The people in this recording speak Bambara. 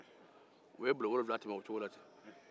u ye bulon wolonfila tɛmɛ o cogo la ten